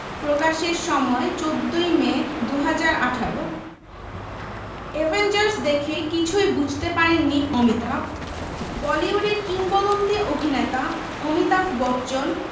প্রকাশের সময় ১৪ মে ২০১৮ অ্যাভেঞ্জার্স দেখে কিছুই বুঝতে পারেননি অমিতাভ বলিউডের কিংবদন্তী অভিনেতা অমিতাভ বচ্চন